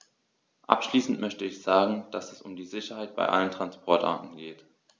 Abschließend möchte ich sagen, dass es um die Sicherheit bei allen Transportarten geht.